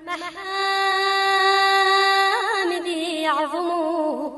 Sangɛninyan